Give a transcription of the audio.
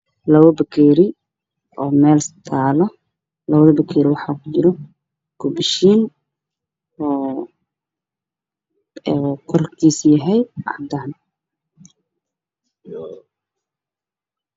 Loobi geeriyoo meel talo geeri waxaad ku jiro xooga bishii oo kolarkeedii cadaan